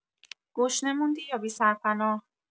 گشنه موندی یا بی‌سرپناه؟